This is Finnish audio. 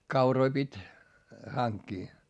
kauroja piti hankkia